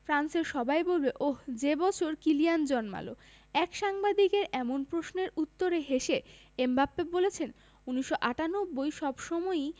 ফ্রান্সের সবাই বলবে ওহ্ যে বছর কিলিয়ান জন্মাল এক সাংবাদিকের এমন প্রশ্নের উত্তরে হেসে এমবাপ্পে বলেছেন ১৯৯৮ সব সময়ই